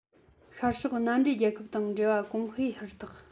ཤར ཕྱོགས མནའ འབྲེལ རྒྱལ ཁབ དང འབྲེལ བ གོང སྤེལ ཧུར ཐག